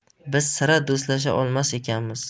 biz sira do'stlasha olmas ekanmiz